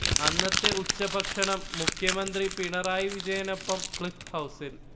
അന്നത്തെ ഉച്ചഭക്ഷണം മുഖ്യമന്ത്രി പിണറായി വിജയനൊപ്പം ക്ലിഫ്ഹൗസിൽ